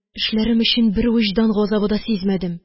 Эшләрем өчен бер вөҗдан газабы да сизмәдем